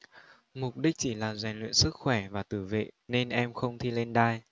mục đích chỉ là rèn luyện sức khỏe và tự vệ nên em không thi lên đai